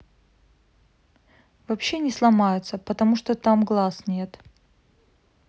вообще не сломается потому что там глаз нет